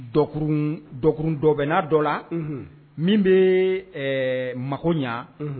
Dɔkumu dɔkumu dɔ bɛ n'a dɔ la min bɛ, ɛɛ mago ɲa